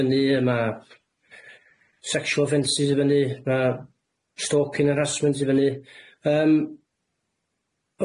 fyny a ma' sexual offensys i fyny ma' stolcing harasment i fyny yym